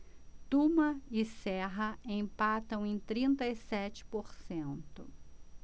tuma e serra empatam em trinta e sete por cento